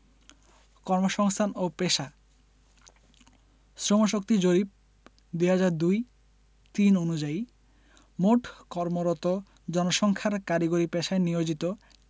কর্মসংস্থান ও পেশাঃ শ্রমশক্তি জরিপ ২০০২ ০৩ অনুযায়ী মোট কর্মরত জনসংখ্যার কারিগরি পেশায় নিয়োজিত